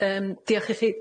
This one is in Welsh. Yym diolch i chi.